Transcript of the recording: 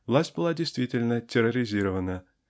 Власть была действительно терроризирована.